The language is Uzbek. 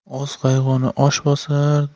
oz qayg'uni osh bosar